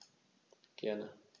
Gerne.